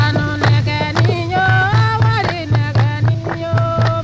sanunɛgɛnin yo warinɛgɛnin yo